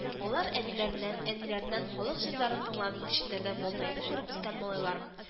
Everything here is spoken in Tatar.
Алар - әбиләреннән, әниләреннән халык җырларын тыңлап, кечкенәдән Балтайны күреп үскән малайлар